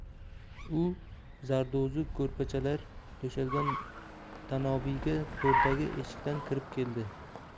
u zardo'zi ko'rpachalar to'shalgan tanobiyga to'rdagi eshikdan kirib keldi